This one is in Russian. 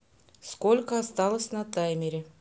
сколько осталось на таймере